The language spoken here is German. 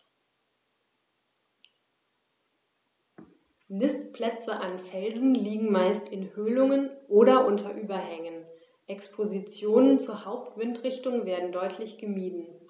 Nistplätze an Felsen liegen meist in Höhlungen oder unter Überhängen, Expositionen zur Hauptwindrichtung werden deutlich gemieden.